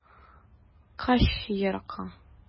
Кач еракка.